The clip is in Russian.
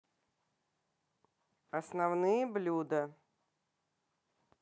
основные блюда